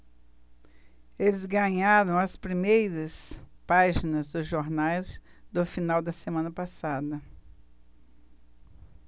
eles ganharam as primeiras páginas dos jornais do final da semana passada